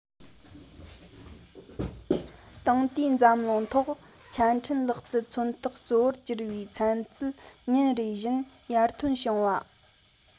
དེང དུས འཛམ གླིང ཐོག ཆ འཕྲིན ལག རྩལ མཚོན རྟགས གཙོ བོར གྱུར པའི ཚན རྩལ ཉིན རེ བཞིན ཡར ཐོན བྱུང བ